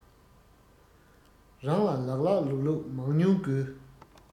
རང ལ ལགས ལགས ལུགས ལུགས མང ཉུང དགོས